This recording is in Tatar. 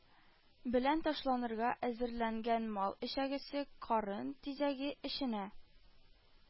Белән ташланырга әзерләнгән мал эчәгесе, карын тизәге эченә